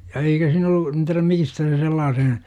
ja eikä siinä ollut en tiedä mistä se sellaisen